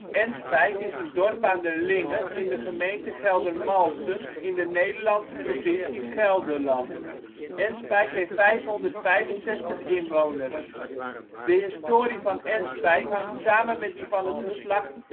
Enspijk is een dorp aan de Linge in de gemeente Geldermalsen in de Nederlandse provincie Gelderland. Enspijk heeft 565 inwoners. De historie van Enspijk hangt samen met die van het geslacht